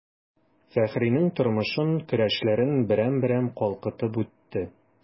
Фәхринең тормышын, көрәшләрен берәм-берәм калкытып үтте.